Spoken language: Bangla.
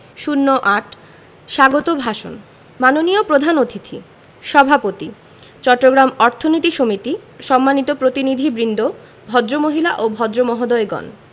০৮ স্বাগত ভাষণ মাননীয় প্রধান অতিথি সভাপতি চট্টগ্রাম অর্থনীতি সমিতি সম্মানীয় প্রতিনিধিবৃন্দ ভদ্রমহিলা ও ভদ্রমহোদয়গণ